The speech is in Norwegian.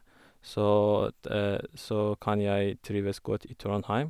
så Så kan jeg trives godt i Trondheim.